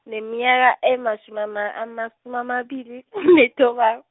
ngineminyaka e masuma- amasumi amabili, nethobako.